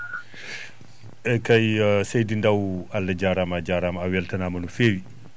eeyi kay seydi Ndaw Allah jaaraama a jarama a weltanama no fewi